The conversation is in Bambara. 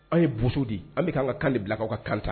An ye bo di an bɛ k'an ka kan bila ka kan